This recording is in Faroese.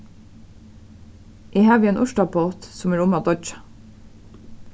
eg havi ein urtapott sum er um at doyggja